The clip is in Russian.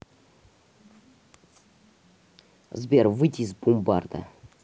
сбер выйти из бумбарда